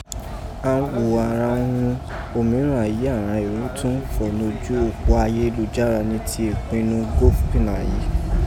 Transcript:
An ghò àghan urun òmúran èyí àghan èrò tọ́n fọ̀ noju opó ayelujara niti ipinọ Gofina yii.